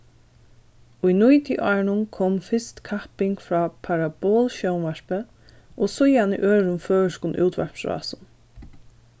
í nítiárunum kom fyrst kapping frá parabolsjónvarpi og síðani øðrum føroyskum útvarpsrásum